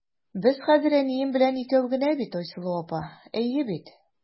Без хәзер әнием белән икәү генә бит, Айсылу апа, әйе бит?